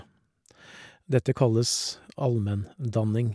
Dette kalles allmenndanning.